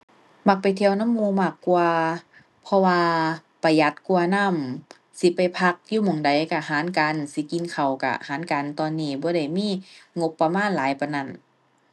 มักไปเที่ยวนำหมู่มากกว่าเพราะว่าประหยัดกว่านำ สิไปพักอยู่หม้องใดก็หารกัน สิกินข้าวก็หารกัน ตอนนี้บ่ได้มีงบประมาณหลายปานนั้น